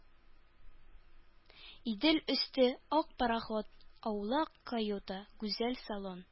Идел өсте, ак пароход, аулак каюта, гүзәл салон